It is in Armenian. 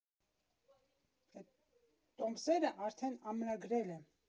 Տոմսերը արդեն ամրագրել եմ։